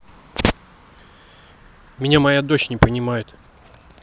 меня моя дочь не понимает